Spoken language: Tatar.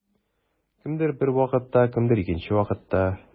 Кемдер бер вакытта, кемдер икенче вакытта.